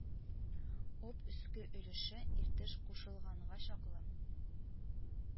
Об өске өлеше Иртеш кушылганга чаклы